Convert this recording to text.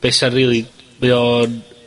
be' 'sa rili, mae o'n